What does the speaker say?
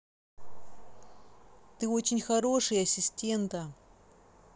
ты очень хороший ассистента